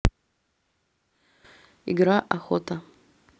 игра охота